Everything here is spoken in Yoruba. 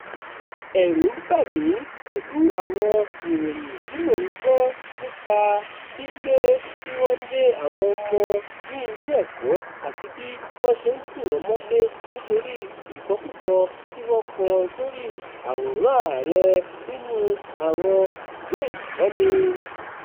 Ẹ̀rù ń bà mí pẹ̀lú àwọn ìròyìn tí mò ń gbọ́ nípa lílé tí wọ́n ń lé àwọn ọmọ ní ilé-ẹ̀kọ́ àti bí wọ́n ṣe ń tì wọ́n mọ́lé nítorí ìkọkúkọ tí wọ́n kọ sórí àwòrán Ààrẹ nínú àwọn ìwé ìkọ́ni.